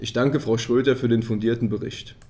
Ich danke Frau Schroedter für den fundierten Bericht.